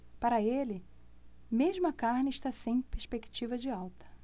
para ele mesmo a carne está sem perspectiva de alta